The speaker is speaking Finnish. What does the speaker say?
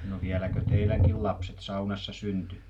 no vieläkö teidänkin lapset saunassa syntyi